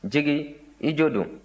jigi i jo don